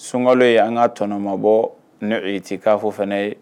Sunkalo an ka tɔnɔmabɔ tɛ'fo fana ye